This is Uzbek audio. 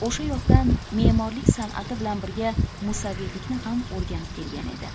o'sha yoqdan me'morlik san'ati bilan birga musavvirlikni ham o'rganib kelgan edi